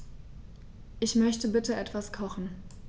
Ich möchte bitte etwas kochen.